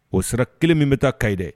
O sira kelen min bɛ taa ka ɲi dɛ